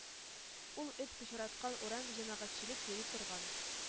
— ул эт пычраткан урам җәмәгатьчелек йөри торган